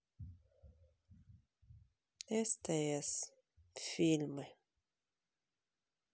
стс фильмы